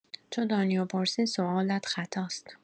چو دانی و پرسی سوالت خطاست